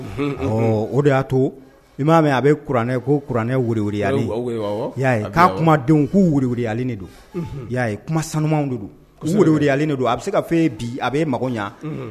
Unhun unhun awɔɔ o de y'a to i maa mɛ a be kuranɛ ko kuranɛ wedewedeyali awɔ i y'a ye k'a kumadenw k'u wedewedeyalen de don unhun i y'a ye kuma sanumanw de don u wedewedeyalen de don a be se ka f'e ye bi a b'e mago ɲa unhun